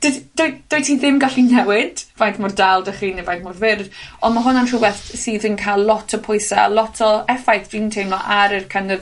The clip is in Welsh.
dys- dwy- dwyt ti ddim gallu newid faint mor dal 'dych chi ne' faint mor fyr, ond ma' hwnna'n rhwbeth sydd yn ca'l lot o pwyse, lot o effaith, dwi'n teimlo, ar yr kind of